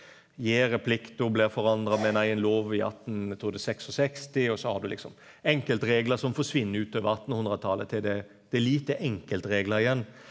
gjereplikta blir forandra med ein eigen lov i 18 trur det er 66 og så har du liksom enkeltreglar som forsvinn utover attenhundretalet til det det er lite enkeltreglar igjen.